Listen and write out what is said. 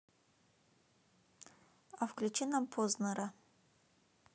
а включи нам познера